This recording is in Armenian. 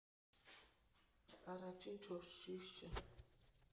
Առաջին չորս շիշը։